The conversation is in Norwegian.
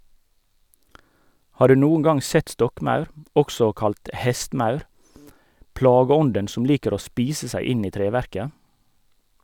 Har du noen gang sett stokkmaur, også kalt hestemaur, plageånden som liker å spise seg inn i treverket?